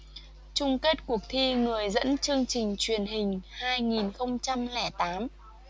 chung kết cuộc thi người dẫn chương trình truyền hình hai nghìn không trăm lẻ tám